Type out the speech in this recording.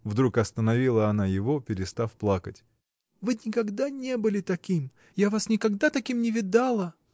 — вдруг остановила она его, перестав плакать, — вы никогда не были таким, я вас никогда таким не видала!